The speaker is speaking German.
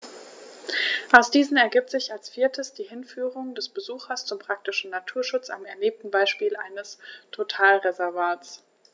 Aus diesen ergibt sich als viertes die Hinführung des Besuchers zum praktischen Naturschutz am erlebten Beispiel eines Totalreservats.